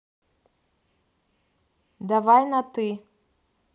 давай на ты